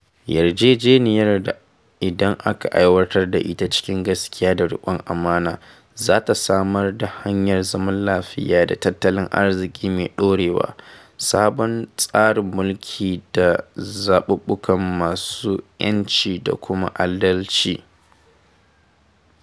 Yarjejeniyar da idan aka aiwatar da ita cikin gaskiya da rikon amana, za ta samar da hanyar zaman lafiya da tattalin arziki mai ɗorewa, sabon tsarin mulki, da zaɓuɓɓukan masu ƴanci kuma da adalci.